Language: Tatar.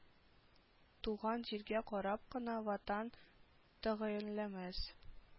Туган җиргә карап кына ватан тәгаенләмәс